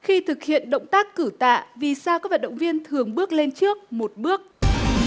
khi thực hiện động tác cử tạ vì sao các vận động viên thường bước lên trước một bước